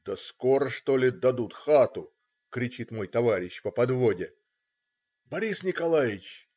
"Да скоро, что ли, дадут хату!" - кричит мой товарищ по подводе. "Борис Николаич!